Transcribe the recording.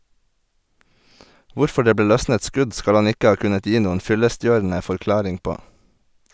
Hvorfor det ble løsnet skudd skal han ikke ha kunnet gi noen fyllestgjørende forklaring på.